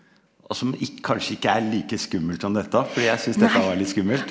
og som kanskje ikke er like skummelt som dette fordi jeg synes dette var litt skummelt.